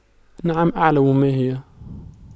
نعم أعلم ماهي